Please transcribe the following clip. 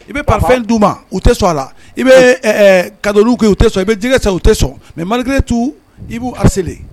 I bɛ pa fɛn d'u ma u tɛ sɔn a la i bɛ kalu kɛ u tɛ sɔn i bɛ jɛgɛ sa u tɛ sɔn mɛ marire tu i b'u a selen